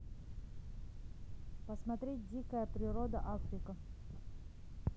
посмотреть дикая природа африка